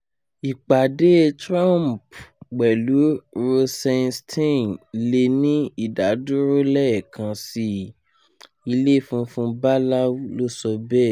Ìpàdé Trump pẹ̀lú Rosenstein lé ní ìdádúró lẹ́ẹ̀kan síi, Ilé Funfun Báláu ló sọ bẹ́ẹ̀.